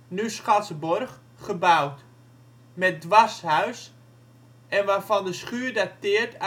nu Schatsborg) gebouwd, met dwarshuis en waarvan de schuur dateert